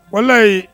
Walahii